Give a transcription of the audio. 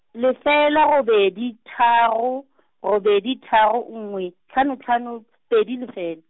lefela robedi tharo , robedi tharo nngwe, tlhano tlhano , pedi lefel-.